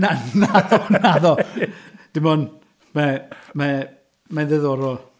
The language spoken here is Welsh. Na, naddo naddo, dim ond mae mae mae'n ddiddorol.